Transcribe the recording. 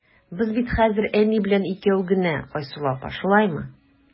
Без бит хәзер әни белән икәү генә, Айсылу апа, шулаймы?